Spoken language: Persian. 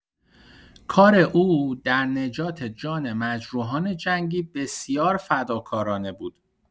کار او در نجات جان مجروحان جنگی بسیار فداکارانه بود.